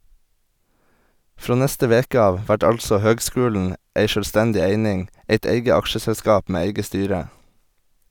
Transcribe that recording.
Frå neste veke av vert altså høgskulen ei sjølvstendig eining, eit eige aksjeselskap med eige styre.